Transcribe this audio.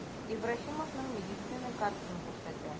Ибраһимовның медицина картасын күрсәтә.